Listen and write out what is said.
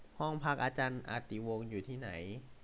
ห้องพักอาจารย์อติวงศ์อยู่ที่ไหน